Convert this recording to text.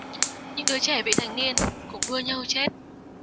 những đứa trẻ vị thành niên cũng đua nhau chết